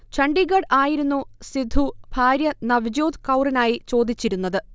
ഛണ്ഡീഗഡ് ആയിരുന്നു സിദ്ധു ഭാര്യ നവജ്യോത് കൗറിനായി ചോദിച്ചിരുന്നത്